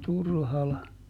Turhala